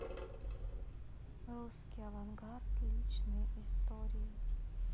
русский авангард личные истории